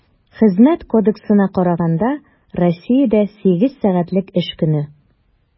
Хезмәт кодексына караганда, Россиядә сигез сәгатьлек эш көне.